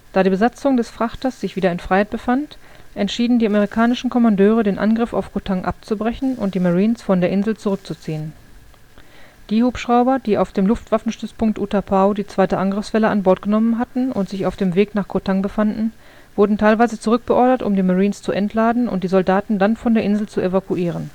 Besatzung des Frachters sich wieder in Freiheit befand, entschieden die amerikanischen Kommandeure, den Angriff auf Koh Tang abzubrechen und die Marines von der Insel zurückzuziehen. Die Hubschrauber, die auf dem Luftwaffenstützpunkt Utapao die zweite Angriffswelle an Bord genommen hatten und sich auf dem Weg nach Koh Tang befanden, wurden teilweise zurückbeordert, um die Marines zu entladen und die Soldaten dann von der Insel zu evakuieren